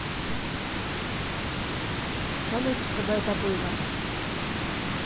салют чтобы это было